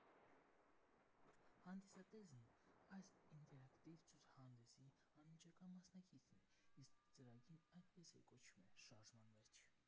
Հանդիսատեսն այս ինտերակտիվ ցուցահանդեսի անմիջական մասնակիցն էր, իսկ ծրագիրն այդպես էլ կոչվում էր՝ «Շարժման մեջ»։